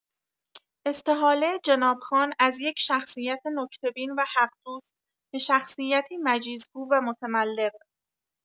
استحاله جناب خان از یک شخصیت نکته‌بین و حق‌دوست، به شخصیتی مجیزگو و متملق